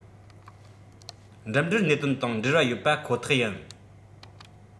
འགྲིམ འགྲུལ གནད དོན དང འབྲེལ བ ཡོད པ ཁོ ཐག ཡིན